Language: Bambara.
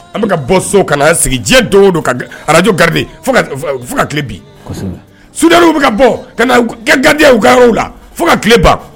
An bɛ ka bɔ so ka sigi diɲɛ dɔw don arajo gari ka tile bi su bɛ ka bɔ ka ka garidiw ka la fo ka tile ban